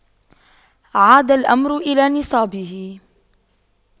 عاد الأمر إلى نصابه